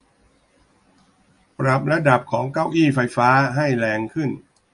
ปรับระดับของเก้าอี้ไฟฟ้าให้แรงขึ้น